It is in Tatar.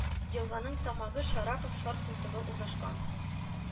Елганың тамагы Шарапов Шар култыгы урнашкан